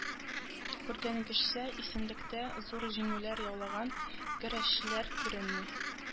Күргәнегезчә, исемлектә зур җиңүләр яулаган көрәшчеләр күренми